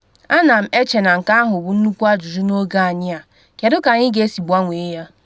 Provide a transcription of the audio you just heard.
A na m eche na nke ahụ bụ nnukwu ajụjụ n’oge anyị a -kedu ka anyị ga-esi gbanwee ya?